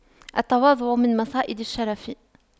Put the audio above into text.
التواضع من مصائد الشرف